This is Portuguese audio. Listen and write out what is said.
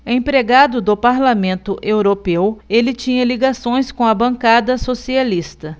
empregado do parlamento europeu ele tinha ligações com a bancada socialista